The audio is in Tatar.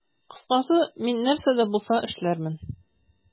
Кыскасы, мин нәрсә дә булса эшләрмен.